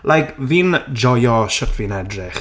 Like fi'n joio shwt fi'n edrych.